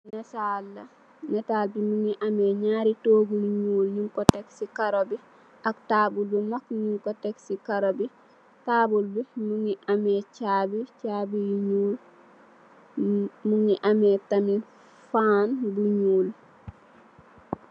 Nataal la, nataal bi mu ngi amee ñaari toogu yu ñuul. Ñung ko tek si karo bi ak taabul bu mag ñung ko tek si karo bi, taabul bi, mu ngi amee caabi, caabi yu ñuul, mu ngi amee, faan bu ñuul.